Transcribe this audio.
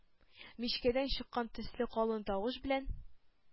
Мичкәдән чыккан төсле калын тавыш белән: